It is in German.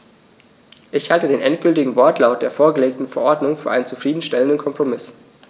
Ich halte den endgültigen Wortlaut der vorgelegten Verordnung für einen zufrieden stellenden Kompromiss.